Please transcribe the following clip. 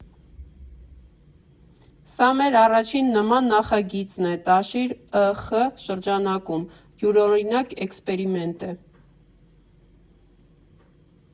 Սա մեր առաջին նման նախագիծն է «Տաշիր» ԸԽ շրջանակում, յուրօրինակ էքսպերիմենտ է։